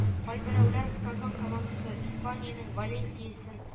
Кайберәүләр Казан командасы Испаниянең “Валенсиясен